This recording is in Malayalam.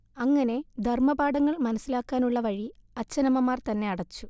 അങ്ങനെ ധർമപാഠങ്ങൾ മനസ്സിലാക്കാനുള്ള വഴി അച്ഛനമ്മമാർതന്നെ അടച്ചു